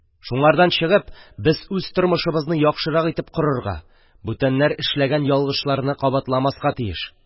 Шуңардан чыгып, без үз тормышыбызны яхшырак итеп корырга, бүтәннәр эшләгән ялгышларны кабатламаска тиеш.